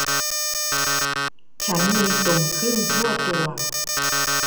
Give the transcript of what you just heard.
ฉันมีตุ่มขึ้นทั่วตัว